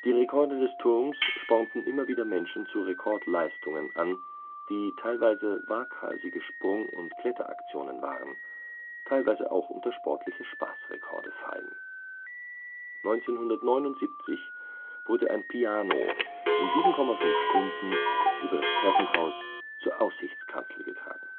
Rekorde des Turms spornten immer wieder Menschen zu Rekordleistungen an, die teilweise waghalsige Sprung - und Kletteraktionen waren, teilweise auch unter sportliche „ Spaßrekorde “fallen. 1979 wurde ein Piano in 7,5 Stunden über das Treppenhaus zur Aussichtskanzel getragen